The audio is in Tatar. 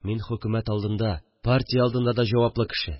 Мин хөкүмәт алдында, партия алдында да җаваплы кеше